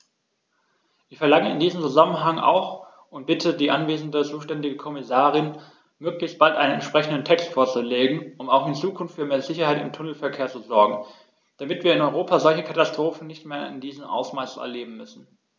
Ich verlange in diesem Zusammenhang auch und bitte die anwesende zuständige Kommissarin, möglichst bald einen entsprechenden Text vorzulegen, um auch in Zukunft für mehr Sicherheit im Tunnelverkehr zu sorgen, damit wir in Europa solche Katastrophen nicht mehr in diesem Ausmaß erleben müssen!